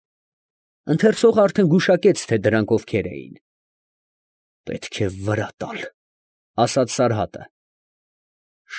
Ընթերցողը արդեն գուշակեց, թե ովքեր էին դրանք։ ֊ Պետք է վրա տալ, ֊ ասաց Սարհատը։ ֊